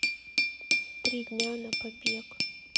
три дня на побег